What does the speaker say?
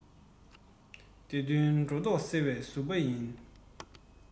བདེན དོན སྒྲོ འདོག སེལ བའི གཟུ པ ཡིན